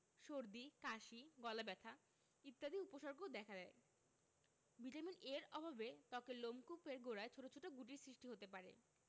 সর্দি কাশি গলাব্যথা ইত্যাদি উপসর্গও দেখা দেয় ভিটামিন A এর অভাবে ত্বকের লোমকূপের গোড়ায় ছোট ছোট গুটির সৃষ্টি হতে পারে